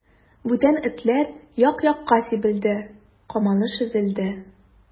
Бүтән этләр як-якка сибелде, камалыш өзелде.